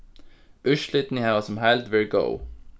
úrslitini hava sum heild verið góð